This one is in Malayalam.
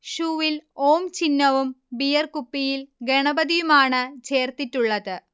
ഷൂവിൽ ഓം ചിഹ്നവും ബിയർകുപ്പിയിൽ ഗണപതിയുമാണ് ചേർത്തിട്ടുള്ളത്